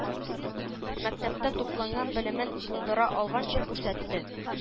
Мәктәптә туплаган белемен булдыра алганча күрсәтте